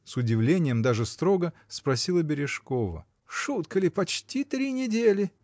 — с удивлением, даже строго, спросила Бережкова. — Шутка ли, почти три недели!